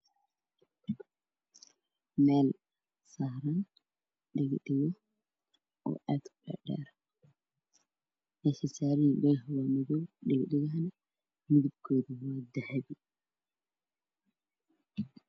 Meel saaran dhago dhago oo aad u dhaadheer meeshay saaranyihiin dhagaha waa madow dhago dhagahana midabkoodu waa dahabi